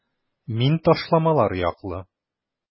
Мин ташламалар яклы.